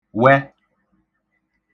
wẹ